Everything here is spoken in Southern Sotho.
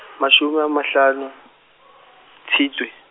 mashome a mahlano , Tshitwe.